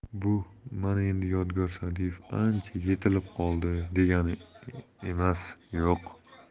bu 'mana endi yodgor sa'diyev ancha yetilib qoldi' degani emas yo'q